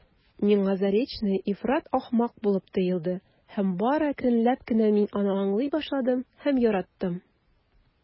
Миңа Заречная ифрат ахмак булып тоелды һәм бары әкренләп кенә мин аны аңлый башладым һәм яраттым.